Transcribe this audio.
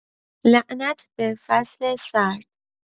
لعنت به فصل سرد